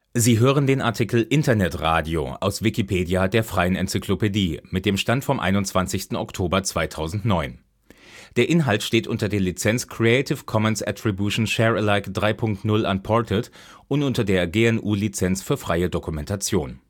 Sie hören den Artikel Internetradio, aus Wikipedia, der freien Enzyklopädie. Mit dem Stand vom Der Inhalt steht unter der Lizenz Creative Commons Attribution Share Alike 3 Punkt 0 Unported und unter der GNU Lizenz für freie Dokumentation